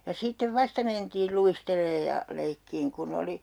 ja sitten vasta mentiin luistelemaan ja leikkimään kun oli